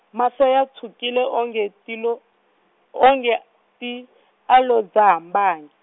mahlo ya tshwukile o nge ti lo, o nge ti , a lo dzaha mbangi.